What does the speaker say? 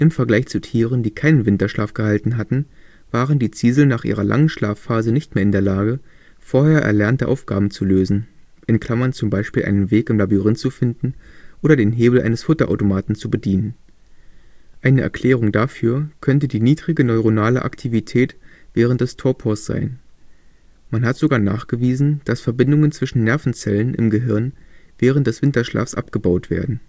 Vergleich zu Tieren, die keinen Winterschlaf gehalten hatten, waren die Ziesel nach ihrer langen Schlafphase nicht mehr in der Lage, vorher erlernte Aufgaben zu lösen (zum Beispiel einen Weg im Labyrinth zu finden oder den Hebel eines Futterautomaten zu bedienen). Eine Erklärung dafür könnte die niedrige neuronale Aktivität während des Torpors sein. Man hat sogar nachgewiesen, dass Verbindungen zwischen Nervenzellen im Gehirn während des Winterschlafs abgebaut werden